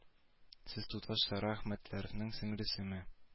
Сез туташ сара әхмәрованың сеңлесеме